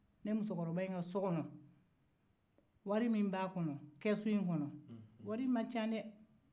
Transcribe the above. nin musokɔrɔba in ka so kɔnɔ wari min b'a kɔnɔ kɛsu in kɔnɔ wari in ma ca dɛɛ